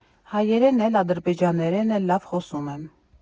Հայերեն էլ, ադրբեջաներեն էլ լավ խոսում եմ։